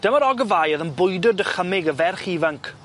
Dyma'r ogofau o'dd yn bwydo dychymyg y ferch ifanc